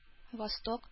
Восток